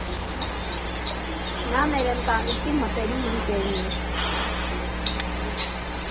Նա մեր ընտանիքի մտերիմ ընկերն էր.